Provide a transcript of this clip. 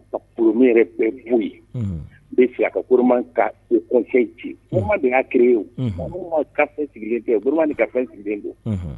Parce que n yɛrɛ tɛɛ foyi ye unhun n be segin a kan gouvernement ka haut conseil ci unhun gouvernement de y'a créé o unhun mais munnu m'a quartier sigilen tɛ o gouvernement de ka fɛn sigilen don unhun